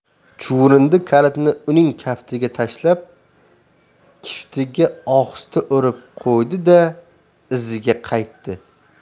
chuvrindi kalitni uning kaftiga tashlab kiftiga ohista urib qo'ydi da iziga qaytdi